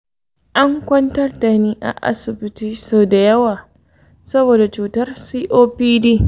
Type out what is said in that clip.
an kwantar da ni a asibiti sau da yawa saboda cutar copd.